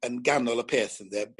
yn ganol y peth ynde